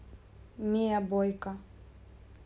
mia boyka